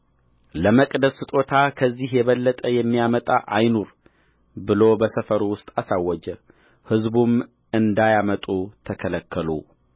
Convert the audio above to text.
ለመቅደስ ስጦታ ከዚህ የበለጠ የሚያመጣ አይኑር ብሎ በሰፈሩ ውስጥ አሳወጀ ሕዝቡም እንዳያመጡ ተከለከሉ